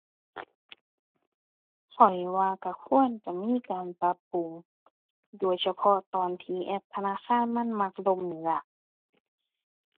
ข้อยว่าก็ควรจะมีการปรับปรุง โดยเฉพาะตอนที่แอปธนาคารมันมักล่มนี่ล่ะ